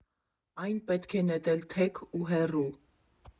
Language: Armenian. Այն պետք էր նետել թեք ու հեռու։